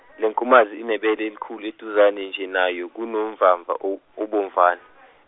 lenkomazi inebele elikhulu eduzane nje nayo kunomvamva o- obomvana .